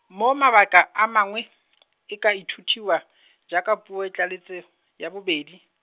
mo mabaka a mangwe , e ka ithutiwa, jaaka puo tlaletso, ya bobedi.